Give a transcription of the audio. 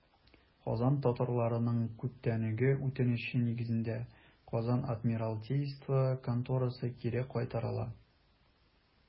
Казан татарларының күптәнге үтенече нигезендә, Казан адмиралтейство конторасы кире кайтарыла.